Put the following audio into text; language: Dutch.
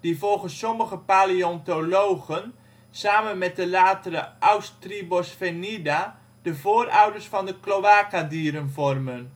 die volgens sommige paleontologen samen met de latere Ausktribosphenida de voorouders van de cloacadieren vormen.